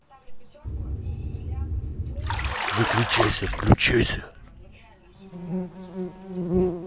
выключайся включайся